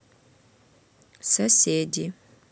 соседи